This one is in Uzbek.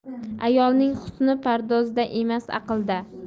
ayolning husni pardozda emas aqlida